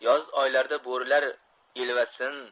yoz oylarida bo'rilar ilvasin